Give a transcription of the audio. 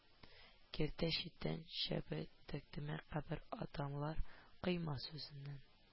Киртә, читән, чәбе, текмә кебек атамалар «койма» сүзеннән